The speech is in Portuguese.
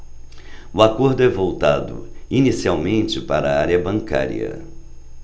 o acordo é voltado inicialmente para a área bancária